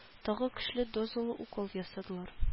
Тагы көчле дозалы укол ясадылар